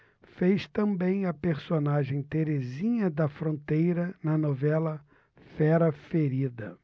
fez também a personagem terezinha da fronteira na novela fera ferida